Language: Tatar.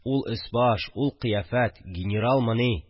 Ул өс-баш, ул кыяфәт – генералмыни